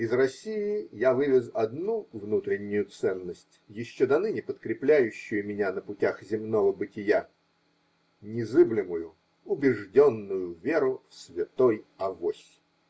Из России я вывез одну внутреннюю ценность, еще доныне подкрепляющую меня на путях земного бытия: незыблемую, убежденную веру в святой авось.